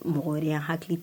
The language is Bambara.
Mɔgɔya hakili